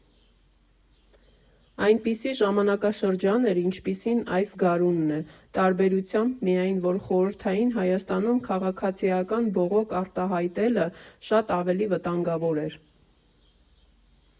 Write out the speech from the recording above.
«Այնպիսի ժամանակաշրջան էր, ինչպիսին այս գարունն է, տարբերությամբ միայն, որ Խորհրդային Հայաստանում քաղաքացիական բողոք արտահայտելը շատ ավելի վտանգավոր էր։